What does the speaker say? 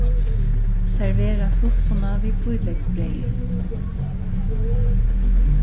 servera suppuna við hvítleyksbreyði